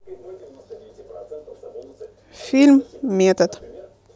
фильм метод